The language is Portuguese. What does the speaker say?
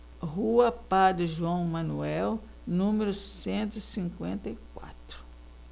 rua padre joão manuel número cento e cinquenta e quatro